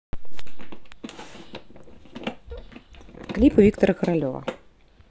клипы виктора королева